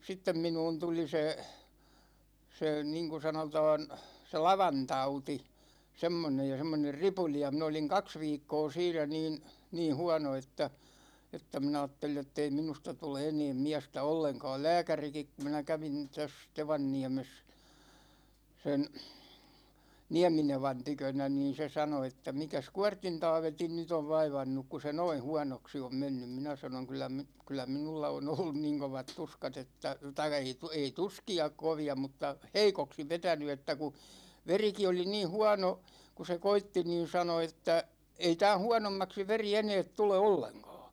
sitten minuun tuli se se niin kuin sanotaan se lavantauti semmoinen ja semmoinen ripuli ja minä olin kaksi viikkoa siinä niin niin huono että että minä ajattelin jottei minusta tule enää miestä ollenkaan lääkärikin kun minä kävin tässä Tevanniemessä sen Nieminevan tykönä niin se sanoi että mikäs Kuortin Taavetin nyt on vaivannut kun se noin huonoksi on mennyt minä sanoin kyllä - kyllä minulla on ollut niin kovat tuskat että tai ei ei tuskia kovia mutta heikoksi vetänyt että kun verikin oli niin huono kun se koetti niin sanoi että ei tämän huonommaksi veri enää tule ollenkaan